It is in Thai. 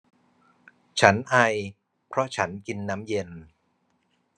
ฉันไอเพราะฉันกินน้ำเย็น